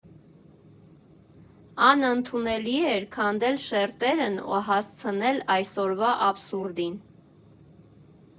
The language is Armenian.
Անընդունելի էր՝ քանդել շերտերն ու հասցնել այսօրվա աբսուրդին։